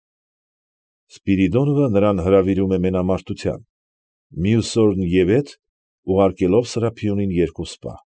Սպիրիդոնովը նրան հրավիրում է մենամարտության, մյուս օրն ևեթ ուղարկելով Սրափիոնին երկու սպա։